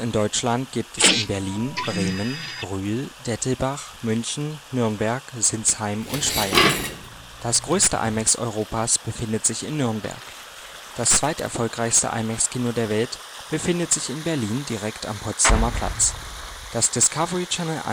Deutschland gibt es in Berlin, Bremen, Brühl, Dettelbach, München, Nürnberg, Sinsheim und Speyer. Das größte IMAX Europas befindet sich in Nürnberg. Das zweiterfolgreichste IMAX-Kino der Welt befindet sich in Berlin direkt am Potsdamer Platz. Das " Discovery Channel